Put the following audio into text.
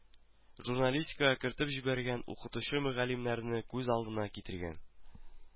Журналистикага кертеп җибәргән укытучы мөгаллимнәрне күз алдына китергән